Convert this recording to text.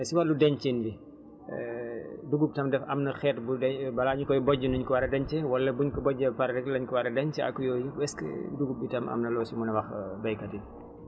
si wàllu dencin bi dugub tam daf am na xeet gu day balaa ñu koy bojj nu ñu ko war a denc wala buñ ko bojjee ba pare rekk lañ ko war a denc ak yooyu est ce que dugub bi tam am na loo si mën a wax baykat yi